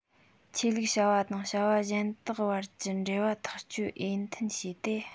ཆོས ལུགས བྱ བ དང བྱ བ གཞན དག བར གྱི འབྲེལ བ ཐག གཅོད འོས མཐུན བྱས ཏེ